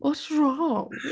What's wrong?